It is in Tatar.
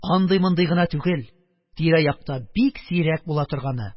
Андый-мондый гына түгел, тирә-якта бик сирәк була торган,